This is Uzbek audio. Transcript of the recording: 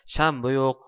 shanba yo'q